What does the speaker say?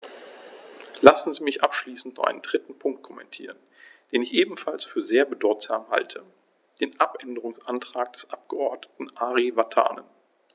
Lassen Sie mich abschließend noch einen dritten Punkt kommentieren, den ich ebenfalls für sehr bedeutsam halte: den Abänderungsantrag des Abgeordneten Ari Vatanen.